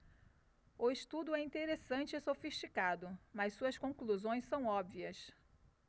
o estudo é interessante e sofisticado mas suas conclusões são óbvias